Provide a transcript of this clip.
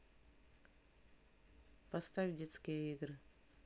поставь детские игры